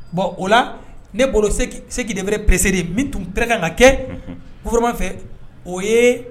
Bon o la ne bolo segin deɛrɛ peresere de min tunɛ ka ka kɛoroma fɛ o ye